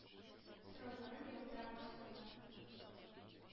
Сорауларын яудыра башладылар: